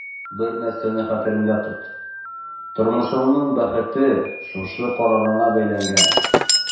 Бер нәрсәне хәтерендә тот: тормышыңның бәхете шушы карарыңа бәйләнгән.